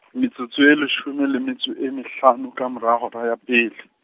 metsotso e leshome le metso e mehlano ka mora hora ya pele.